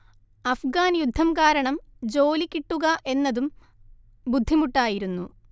അഫ്ഗാൻ യുദ്ധം കാരണം ജോലി കിട്ടുക എന്നതും ബുദ്ധിമുട്ടായിരുന്നു